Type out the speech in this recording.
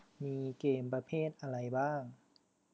มีเกมประเภทอะไรบ้าง